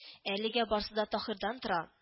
— әлегә барсы да таһирдан тора